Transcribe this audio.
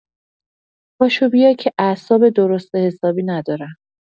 پاشو بیا که اعصاب درست و حسابی ندارم.